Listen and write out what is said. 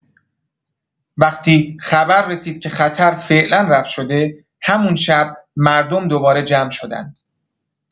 وقتی خبر رسید که خطر فعلا رفع شده، همون شب مردم دوباره جمع شدن.